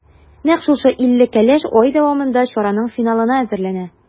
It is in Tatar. Нәкъ шушы илле кәләш ай дәвамында чараның финалына әзерләнә.